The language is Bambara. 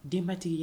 Denbatigiy